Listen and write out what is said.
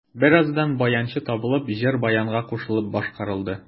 Бераздан баянчы табылып, җыр баянга кушылып башкарылды.